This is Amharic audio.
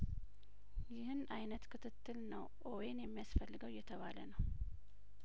ይህን አይነት ክትትል ነው ኦዌን የሚያስፈልገው እየተባለነው